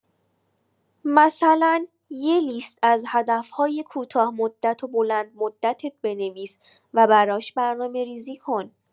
مثلا یه لیست از هدف‌های کوتاه‌مدت و بلندمدتت بنویس و براش برنامه‌ریزی کن.